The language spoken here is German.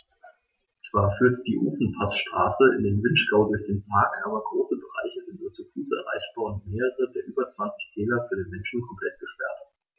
Zwar führt die Ofenpassstraße in den Vinschgau durch den Park, aber große Bereiche sind nur zu Fuß erreichbar und mehrere der über 20 Täler für den Menschen komplett gesperrt.